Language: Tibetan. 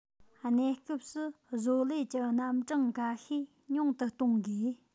གནས སྐབས སུ བཟོ ལས ཀྱི རྣམ གྲངས འགའ ཤས ཉུང དུ གཏོང དགོས